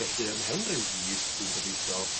felly ymhen ryw fis dwi'n gobeithio